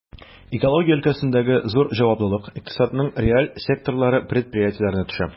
Экология өлкәсендәге зур җаваплылык икътисадның реаль секторлары предприятиеләренә төшә.